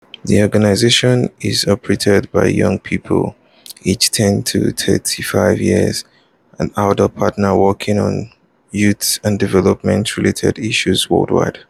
The organisation is operated by young people aged ten to thirty-five years and adult partners working on youth-and development-related issues worldwide.